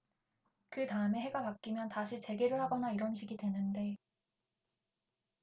그 다음에 해가 바뀌면 다시 재개를 하거나 이런 식이 되는데